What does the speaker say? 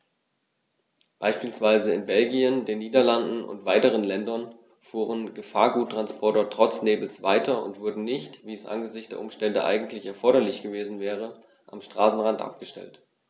Beispielsweise in Belgien, den Niederlanden und weiteren Ländern fuhren Gefahrguttransporter trotz Nebels weiter und wurden nicht, wie es angesichts der Umstände eigentlich erforderlich gewesen wäre, am Straßenrand abgestellt.